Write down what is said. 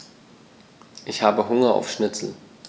Ich habe Hunger auf Schnitzel.